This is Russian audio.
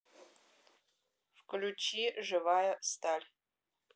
включи живая сталь